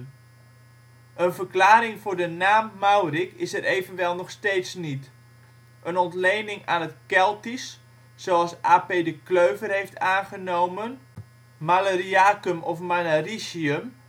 Een verklaring voor de naam Maurik is er evenwel nog steeds niet. Een ontlening aan het Keltisch, zoals A.P. de Kleuver heeft aangenomen (Maleriacum of Mannaricium